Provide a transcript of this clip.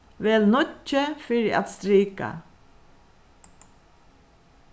vel níggju fyri at strika